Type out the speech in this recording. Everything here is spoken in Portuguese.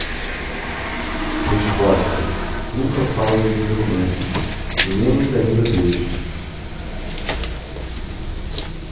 resposta nunca falo de meus romances e menos ainda deste